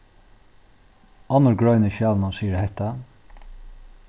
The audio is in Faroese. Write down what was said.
onnur grein í skjalinum sigur hetta